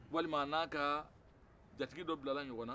walima n'an'a ka jatigi dɔ bilala ɲɔgɔnna